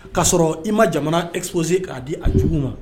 O k'a sɔrɔ i ma jamana epse k'a di a jugu ma